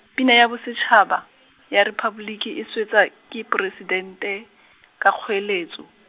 Pina ya bosetšhaba, ya Rephaboliki e swetswa ke Poresidente, ka kgoeletso.